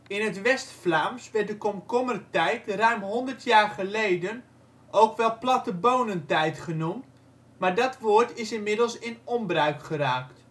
In het West-Vlaams werd de komkommertijd ruim honderd jaar geleden ook wel plattebonentijd genoemd, maar dat woord is inmiddels in onbruik geraakt